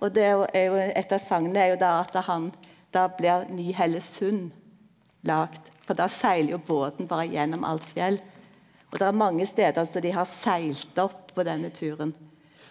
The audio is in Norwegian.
og det jo er jo eit av segna er jo då at han då blir Ny-Hellesund laga for då segler jo båten berre gjennom alt fjell og der er mange stader som dei har seglt opp på denne turen